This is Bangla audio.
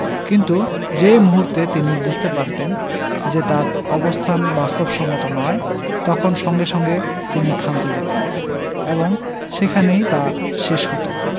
কিন্তু যে মুহূর্তে তিনি বুঝতে পারতেন যে তাঁর অবস্থান বাস্তবসম্মত নয় তখন সঙ্গে সঙ্গে তিনি ক্ষান্ত দিতেন এবং সেখানেই তা শেষ হতো